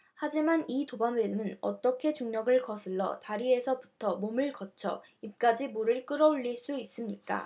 하지만 이 도마뱀은 어떻게 중력을 거슬러 다리에서부터 몸을 거쳐 입까지 물을 끌어 올릴 수 있습니까